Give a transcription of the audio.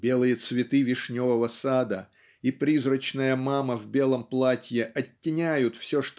Белые цветы вишневого сада и призрачная мама в белом платье оттеняют все